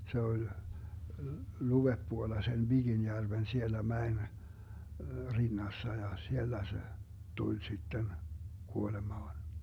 se oli luodepuolella sen Viginjärven siellä mäen rinnassa ja siellä se tuli sitten kuolemaan